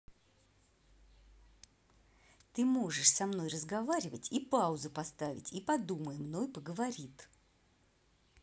ты можешь со мной разговаривать и паузу поставь и подумай мной поговорит